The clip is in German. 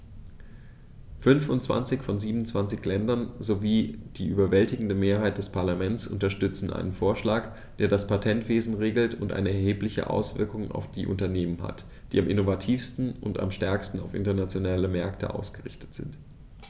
Fünfundzwanzig von 27 Ländern sowie die überwältigende Mehrheit des Parlaments unterstützen einen Vorschlag, der das Patentwesen regelt und eine erhebliche Auswirkung auf die Unternehmen hat, die am innovativsten und am stärksten auf internationale Märkte ausgerichtet sind.